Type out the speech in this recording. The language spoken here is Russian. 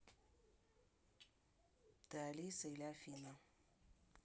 ты алиса или афина